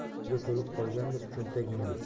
pulga to'lib qolgandir cho'ntagingiz